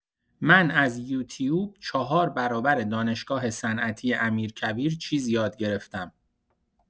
من از یوتوب چهار برابر دانشگاه صنعتی امیرکبیر چیز یاد گرفتم.